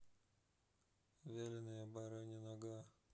вяленая баранья нога